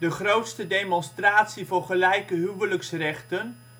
grootste demonstratie voor gelijke huwelijksrechten